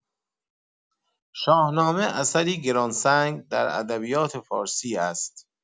شاهنامه اثری گران‌سنگ در ادبیات فارسی است.